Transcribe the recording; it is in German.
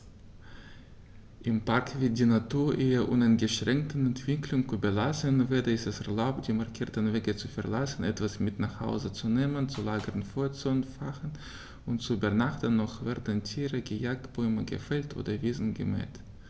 Im Park wird die Natur ihrer uneingeschränkten Entwicklung überlassen; weder ist es erlaubt, die markierten Wege zu verlassen, etwas mit nach Hause zu nehmen, zu lagern, Feuer zu entfachen und zu übernachten, noch werden Tiere gejagt, Bäume gefällt oder Wiesen gemäht.